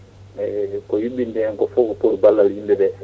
eyyi ko yuɓɓinte hen ko foof ko pour ballal yimɓeɓe